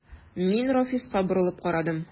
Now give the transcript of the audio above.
Мин Рафиска борылып карадым.